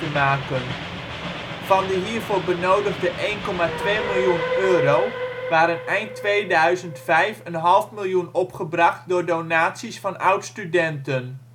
maken. Van de hiervoor benodigde 1,2 miljoen euro waren eind 2005 een half miljoen opgebracht door donaties van oud-studenten